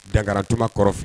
Dagakararatumaba kɔrɔ filɛ